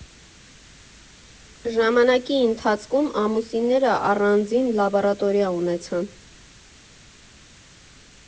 Ժամանակի ընթացքում ամուսինները առանձին լաբորատորիա ունեցան։